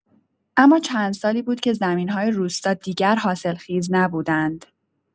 اما چند سالی بود که زمین‌های روستا دیگر حاصلخیز نبودند.